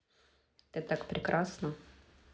ты так прекрасна